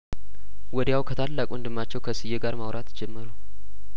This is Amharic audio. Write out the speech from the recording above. ወዲያው ከታላቅ ወንድማቸው ከስዬ ጋር ማውራት ጀመሩ